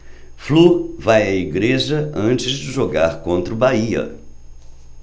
flu vai à igreja antes de jogar contra o bahia